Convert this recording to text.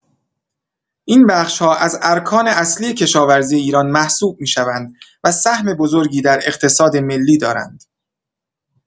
این بخش‌ها از ارکان اصلی کشاورزی ایران محسوب می‌شوند و سهم بزرگی در اقتصاد ملی دارند.